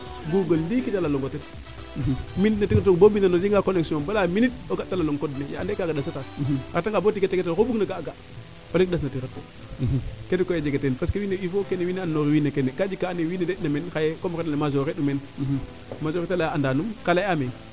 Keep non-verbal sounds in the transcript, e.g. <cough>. google ndiiki te lalong o ten <unintelligible> o jeg nga connexion bala minute o ga te lalong code forestier ande kaaga ɗasa taan a reta nga boo tiga tegatel oxu bug na ga a ga o leŋ ndasna tiran kene koy a jega teen parce que wiin we koy il faut ke wiin we an noor wiin we kene ka jeg kaa ando naye wiin we nde ina meen xaye comme <unintelligible> major re'u meen majeur yeete leya anda num kaa ley aame